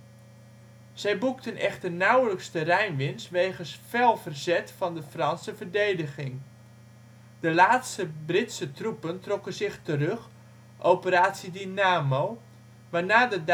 Zij boekten echter nauwelijks terreinwinst wegens fel verzet van de Franse verdediging. De laatste Britse troepen trokken zich terug (Operatie Dynamo), waarna de